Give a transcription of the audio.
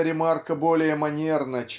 эта ремарка более манерна